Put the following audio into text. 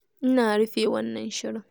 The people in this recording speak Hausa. Ina rufe wannan shirin.